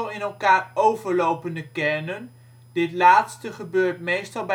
elkaar overlopende " kernen "(?), dit laatste gebeurt meestal